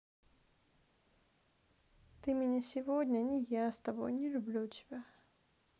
ты меня сегодня не я с тобой не люблю тебя